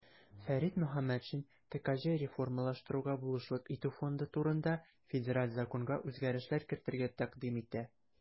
Фәрит Мөхәммәтшин "ТКҖ реформалаштыруга булышлык итү фонды турында" Федераль законга үзгәрешләр кертергә тәкъдим итә.